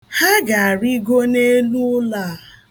Ha ga-arịgo n'elu ulọ a.